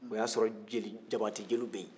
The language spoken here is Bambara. o y'a sɔrɔ jabatɛ jeliw bɛ yen